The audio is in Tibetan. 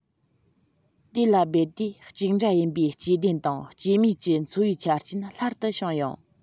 དེ ལ རྦད དེ གཅིག འདྲ ཡིན པའི སྐྱེ ལྡན དང སྐྱེ མེད ཀྱི འཚོ བའི ཆ རྐྱེན སླར དུ བྱུང ཡང